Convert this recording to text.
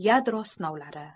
yadro sinovlari